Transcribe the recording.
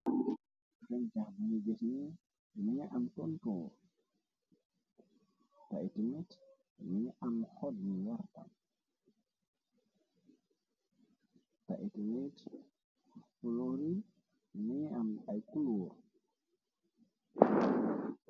frenjax buñu bis ni yinani am kontoor te itinit ynañi am xod ni wartamt iint pulori ynani am ay kulóor